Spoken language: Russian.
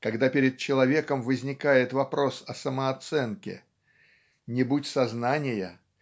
когда перед человеком возникает вопрос о самооценке. Не будь сознания